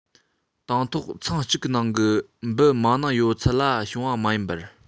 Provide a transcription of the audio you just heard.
དང ཐོག ཚང གཅིག གི ནང གི འབུ མ ནིང ཡོད ཚད ལ བྱུང བ མ ཡིན པར